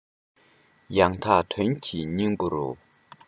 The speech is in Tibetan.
ཡང དག དོན གྱི སྙིང པོ རུ